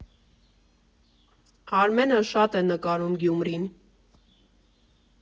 Արմենը շատ է նկարում Գյումրին։